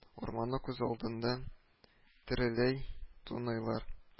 Урманны күз алдында тереләй туныйлар